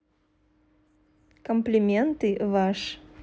комплименты ваш